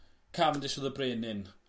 Cavendish odd y brenin.